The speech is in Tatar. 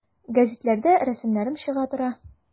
Гәзитләрдә рәсемнәрем чыга тора.